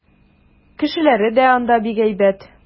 Кешеләре дә анда бик әйбәт.